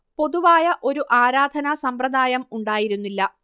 പൊതുവായ ഒരു ആരാധനാ സമ്പ്രദായം ഉണ്ടായിരുന്നില്ല